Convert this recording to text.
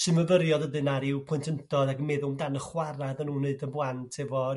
synfyfyrio dydyn ar ryw plentyntod ag yn meddw' 'm dan y chwara' dyn nhw'n neud yn blant efo